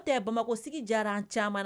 N tɛ bamakɔsigi diyara an caman